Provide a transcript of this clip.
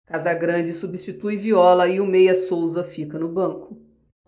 casagrande substitui viola e o meia souza fica no banco